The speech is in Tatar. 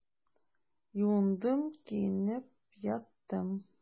Юындым, киенеп яттым.